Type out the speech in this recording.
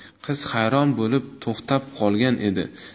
qiz hayron bo'lib to'xtab qolgan edi